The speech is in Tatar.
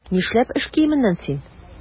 Нишләп эш киеменнән син?